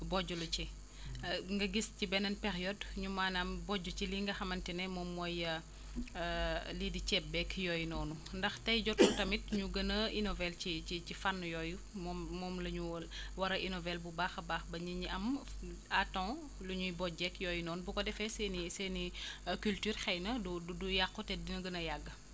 bojjlu ci nga gis beneen période ñu maanaam bojj ci li nga xamante ne moom mooy lii di ceeb beeg yooyu noonu ndax tey jotul tamit ñu gën a innové ci ci ci fànn yooyu moom moom la ñu war war a innové bu baax a baax ba nit ñi am à temps lu ñuy bojjeeg yooyu noonu bu ko defee seen i seen i culture xëy na du du du yàqu te dina gën a yàgg